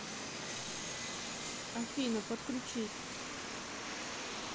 афина подключись